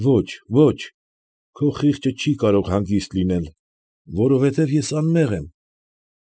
Ո՛չ, ո՛չ քո խիղճը չի կարող հանգիստ լինել, որովհետև ես անմեղ եմ։